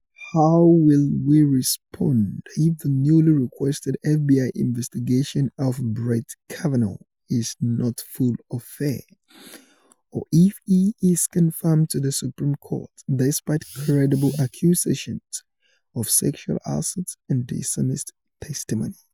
"How will we respond if the newly requested F.B.I. investigation of Brett Kavanaugh is not full or fair - or if he is confirmed to the Supreme Court despite credible accusations of sexual assault and dishonest testimony?